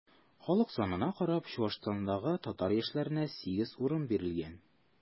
Халык санына карап, Чуашстандагы татар яшьләренә 8 урын бирелгән.